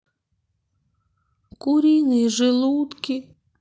куриные желудки